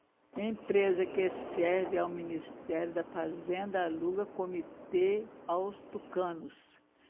empresa que serve ao ministério da fazenda aluga comitê aos tucanos